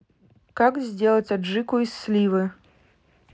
как сделать аджику из сливы